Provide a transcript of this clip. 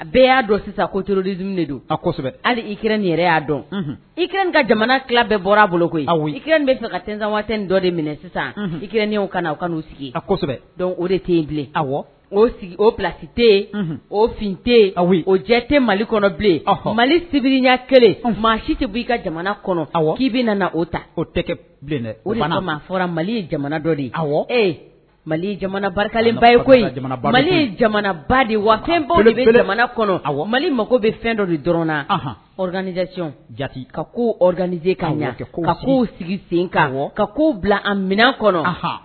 Bɛɛ y'a dɔn sisan koororolid de don a hali ikra nin yɛrɛ y'a dɔn ik ka jamana ki bɛɛ bɔra bolo koyi a i kelen bɛ fɛ ka tsan waren dɔ de minɛ sisan ikranenw ka na u ka'u sigi a kosɛbɛ dɔn o de tɛ bilen o sigi o plasi tɛ yen ofin tɛ a o jɛ tɛ mali kɔnɔ bilen mali sebiririnya kelen maa si tɛ b i ka jamana kɔnɔ k'i bɛna o ta o tɛ o maa fɔra mali jamana dɔ de ye ee mali jamana barikaleba ye mali jamana ba de wa fɛn jamana kɔnɔ a mali mako bɛ fɛn dɔ de dɔrɔnanic ja ka koanie ka ka ko'u sigi sen ka k'u bila a minɛn kɔnɔ